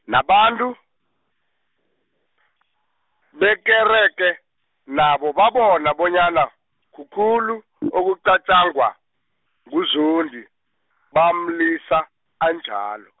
nabantu , bekerege, nabo babona bonyana, kukhulu , okucatjangwa, nguZondi, bamlisa anjalo.